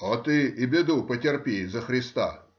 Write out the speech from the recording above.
— А ты и беду потерпи за Христа.